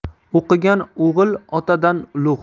o'qigan o'g'il otadan ulug'